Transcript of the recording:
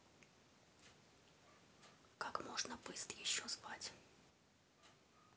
как можно быст еще звать